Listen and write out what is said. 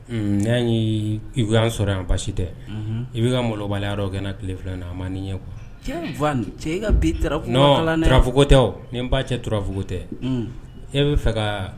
N' ye i sɔrɔ yan basi tɛ i b'i ka malobali kɛ tile filɛ na a ma ɲɛ kuwa cɛ ka kunfugu tɛ ni n ba cɛ turafugu tɛ e bɛ fɛ ka